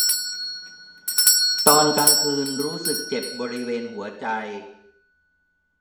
ตอนกลางคือรู้สึกเจ็บบริเวณหัวใจ